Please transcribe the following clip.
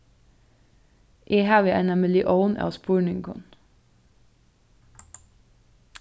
eg havi eina millión av spurningum